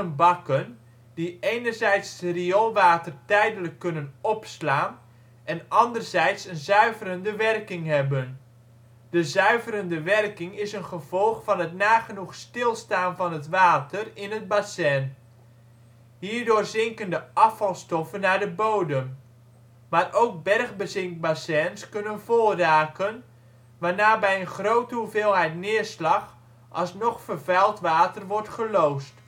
bakken die enerzijds het rioolwater tijdelijk kunnen opslaan en anderzijds een zuiverende werking hebben. De zuiverende werking is een gevolg van het nagenoeg stilstaan van het water in het bassin. Hierdoor zinken de afvalstoffen naar de bodem. Maar ook bergbezinkbassins kunnen vol raken, waarna bij een grote hoeveelheid neerslag alsnog vervuild water wordt geloosd